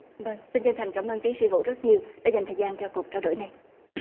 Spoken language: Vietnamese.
xin trân thành cảm ơn tiếng sĩ vũ rất nhiều đã dành thời gian cho cuộc trao đổi này